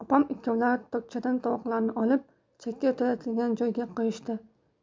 opam ikkovlari tokchadan tovoqlarni olib chakka o'tadigan joyga qo'yishdi